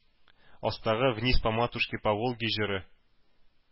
Астагы “Вниз по матушке по Волге“ җыры